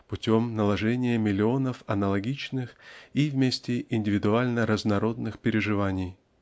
путем наложения миллионов аналогичных и вместе индивидуально-разнородных переживаний